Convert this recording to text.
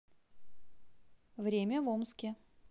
время в омске